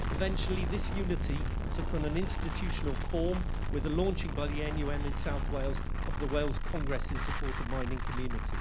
Eventually this unity took on an institutional form with the launching by the NUM in South Wales of the Wales Congress in support of mining communities.